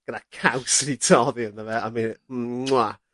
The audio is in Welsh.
gyda caws wedi toddi ynddo fe a bydd e .